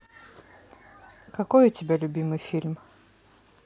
какой у тебя любимый фильм